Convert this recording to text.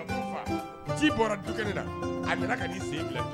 Bɔra du nana